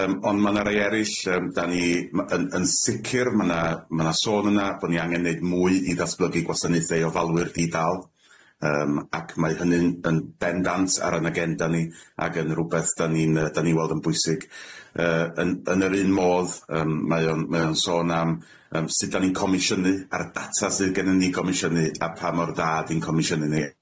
Yym ond ma' 'na rei eryll yym da ni ma' yn yn sicir ma' 'na ma' 'na sôn yna bo' ni angen neud mwy i ddatblygu gwasanaethe i ofalwyr di-dal yym ac mae hynny'n yn bendant ar yn agenda ni ac yn rwbeth 'dan ni'n yy 'dan ni'n weld yn bwysig yy yn yn yr un modd yym mae o'n mae o'n sôn am yym sud 'dan ni'n comisiynu a'r data sydd gennyn ni i gomisiynu a pa mor dda 'di'n comisiynu ni.